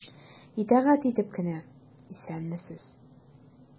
Итагать итеп кенә:— Исәнмесез!